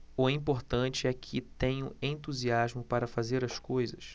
o importante é que tenho entusiasmo para fazer as coisas